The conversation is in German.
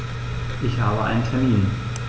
Ich habe einen Termin.